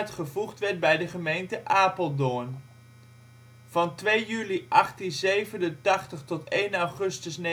gevoegd werd bij de gemeente Apeldoorn. Van 2 juli 1887 tot 1 augustus 1950